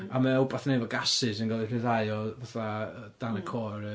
a mae o wbath i wneud efo gases yn cael eu rhyddhau o fatha dan y core ia